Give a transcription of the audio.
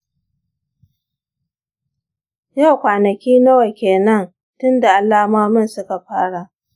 yau kwanaki nawa kenan tun da alamomin suka fara?